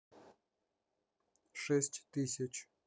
шесть тысяч